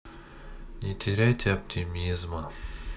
не теряйте оптимизма